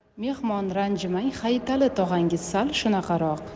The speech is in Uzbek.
mehmon ranjimang hayitali tog'angiz sal shunaqaroq